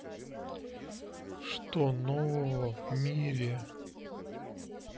что нового в мире